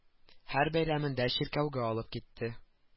Һәр бәйрәмендә чиркәүгә алып китте